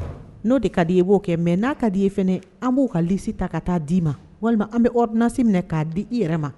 N'o de ka di ye b'o kɛ mɛ n'a ka di i ye fana an b'o ka lisi ta ka taa d i ma walima an bɛ hadsi minɛ k'a d di i yɛrɛ ma